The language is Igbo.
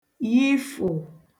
yifụ̀